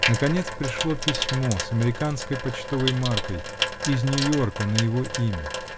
Наконец пришло письмо -- с американской почтовой маркой -- из Нью-Йорка на его имя.